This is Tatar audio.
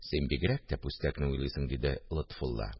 Син бигрәк тә пүстәкне уйлыйсың, – диде Лотфулла